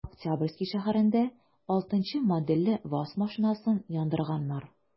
Октябрьский шәһәрендә 6 нчы модельле ваз машинасын яндырганнар.